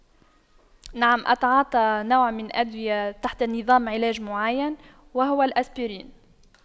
نعم اتعاطى نوع من ادوية تحت نظام علاج معين وهو الأسبرين